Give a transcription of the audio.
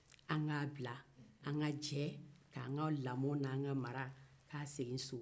an jɛ kan lamɔ n'a ka mara segin so